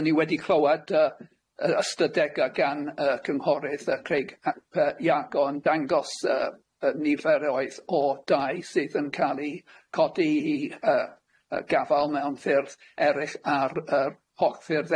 Dyn ni wedi clywad yy y ystadegau gan y cynghorydd yy Creig a- yy Iago yn dangos yy y niferoedd o dai sydd yn ca'l i codi i yy yy gafal mewn ffyrdd eryll ar yy porthyrdd